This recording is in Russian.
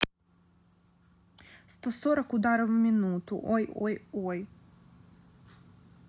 сто сорок udarov v minutu ой ой ой